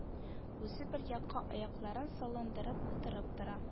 Үзе бер якка аякларын салындырып утырып тора